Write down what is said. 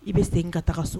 I bɛ segin n ka taga so